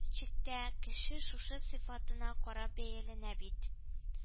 Чик чиктә, кеше шушы сыйфатына карап бәяләнә бит